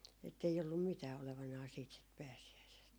että ei ollut mitään olevanaan siitä sitten pääsiäisestä